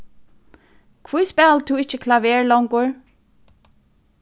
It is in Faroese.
hví spælir tú ikki klaver longur